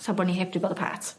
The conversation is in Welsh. Tra bo' ni heb 'di bod apart.